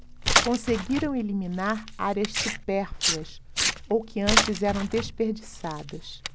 conseguiram eliminar áreas supérfluas ou que antes eram desperdiçadas